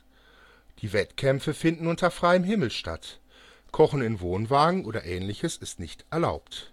Die Wettkämpfe finden unter freiem Himmel statt, Kochen in Wohnwagen oder ähnliches ist nicht erlaubt